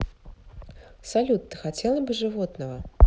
салют ты хотела бы животного